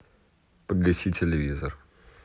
погаси телевизор